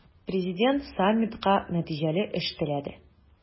Президент саммитка нәтиҗәле эш теләде.